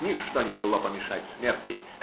Ничто не могло помешать смерти